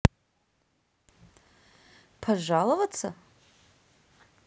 пожаловаться